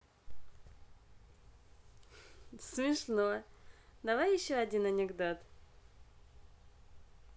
смешно давай еще один анекдот